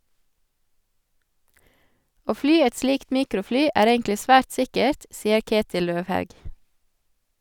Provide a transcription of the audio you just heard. - Å fly et slikt mikrofly er egentlig svært sikkert, sier Ketil Løvhaug.